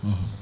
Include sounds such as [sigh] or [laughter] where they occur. [hesitation] [hesitation]